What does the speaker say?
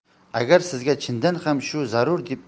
agar sizga chindan ham shu zarur deb